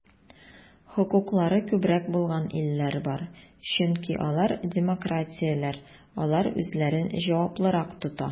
Хокуклары күбрәк булган илләр бар, чөнки алар демократияләр, алар үзләрен җаваплырак тота.